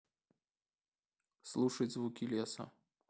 слушать звуки леса